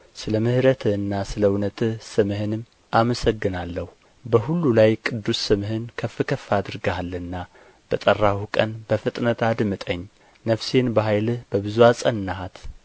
ስለ ምሕረትህና ስለ እውነትህ ስምህንም አመሰግናለሁ በሁሉ ላይ ቅዱስ ስምህን ከፍ ከፍ አድርገሃልና በጠራሁህ ቀን በፍጥነት አድምጠኝ ነፍሴን በኃይልህ በብዙ አጸናሃት